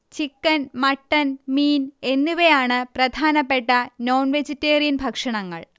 chicken mutton മീൻ എന്നിവയാണ് പ്രധാനപ്പെട്ട നോൺവെജിറ്റേറിയൻ ഭക്ഷണങ്ങൾ